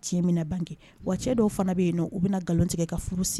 Tiɲɛ bɛna bange , wa cɛ dɔw fana bɛ yen u bɛna nkalon tigɛ ka furu siri!